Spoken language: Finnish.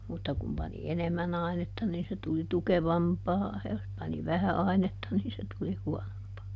mutta kun pani enemmän ainetta niin se tuli tukevampaa ja jos pani vähän ainetta niin se tuli huonompaa